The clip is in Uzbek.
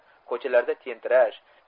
ko'chalarda tentirash